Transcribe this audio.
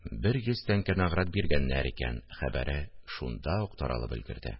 «бер йөз тәңкә награт биргәннәр икән»... хәбәре шунда ук таралып өлгерде